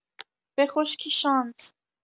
بخشکی شانس